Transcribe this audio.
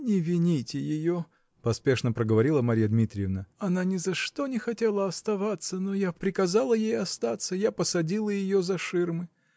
-- Не вините ее, -- поспешно проговорила Марья Дмитриевна, -- она ни за что не хотела остаться, но я приказала ей остаться, я посадила ее за ширмы.